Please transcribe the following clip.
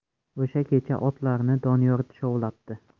o'sha kecha otlarni doniyor tushovlabdi